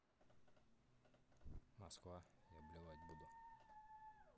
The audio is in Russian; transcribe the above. москва я блевать буду